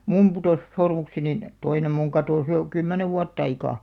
minun putosi sormukseni toinen minun katosi jo kymmenen vuotta aika